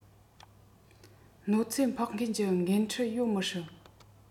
གནོད འཚེ ཕོག མཁན གྱི འགན འཁྲི ཡོད མི སྲིད